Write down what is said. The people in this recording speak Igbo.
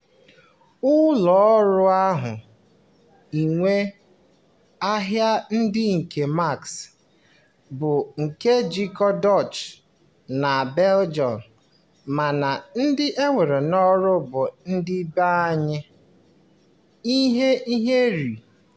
Ụlọ ọrụ ahụ [nwe ahịa ndị nke Maxi] bụ nke njikọ Dutch na Belgium mana ndị ha were n'ọrụ bụ ndị be anyị! Ihe ihere!